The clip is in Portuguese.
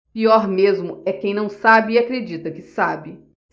pior mesmo é quem não sabe e acredita que sabe